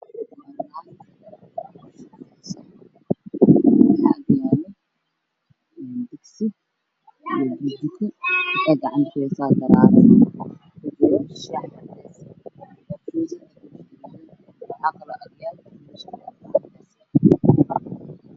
Waa islaan sheekh shubayso garaako buluug shax ka shubeyso tirmuus caddaan ayaa ag yaalo gacanta ayey ku haysaa wax guduudan